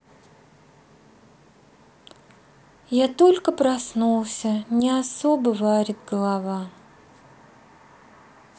я только проснулся не особо варит голова